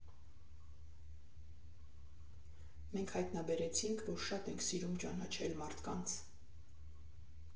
Մենք հայտնաբերեցինք, որ շատ ենք սիրում ճանաչել մարդկանց։